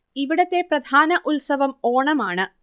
ഇവിടത്തെ പ്രധാന ഉത്സവം ഓണം ആണ്